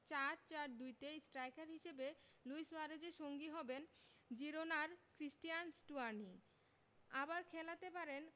৪ ৪ ২ তে স্ট্রাইকার হিসেবে লুই সুয়ারেজের সঙ্গী হবেন জিরোনার ক্রিস্টিয়ান স্টুয়ানি আবার খেলাতে পারেন